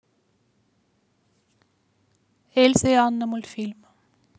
эльза и анна мультфильм